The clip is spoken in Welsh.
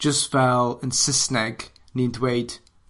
jyst fel yn Sysneg, ni'n dweud